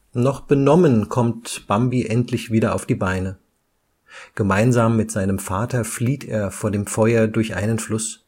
Noch benommen kommt Bambi endlich wieder auf die Beine. Gemeinsam mit seinem Vater flieht er vor dem Feuer durch einen Fluss